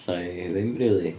Alla i ddim rili.